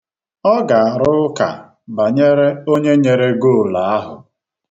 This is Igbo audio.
Ọ ga-arụ ụka banyere onye nyere goolu ahụ.